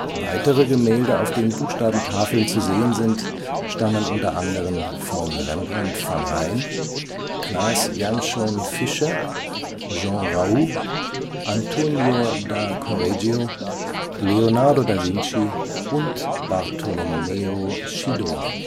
Weitere Gemälde, auf denen Buchstabentafeln zu sehen sind, stammen unter anderem von Rembrandt van Rijn, Claes Janszoon Visscher, Jean Raoux, Antonio da Correggio, Leonardo da Vinci und Bartolommeo Schidone